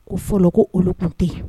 Ko fɔlɔ, ko olu tun tɛ yen.